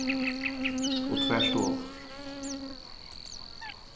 og tvær stovur